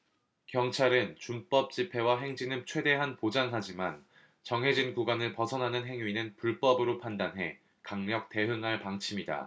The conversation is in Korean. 경찰은 준법 집회와 행진은 최대한 보장하지만 정해진 구간을 벗어나는 행위는 불법으로 판단해 강력 대응할 방침이다